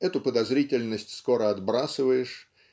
эту подозрительность скоро отбрасываешь